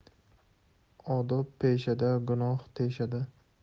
odob peshada gunoh teshada